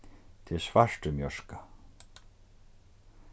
tað er svart í mjørka